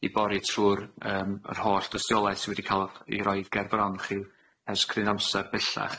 i bori trw'r yym yr holl dystiolaeth sy wedi ca'l yy 'i roid gerbron chi ers cryn amsar bellach.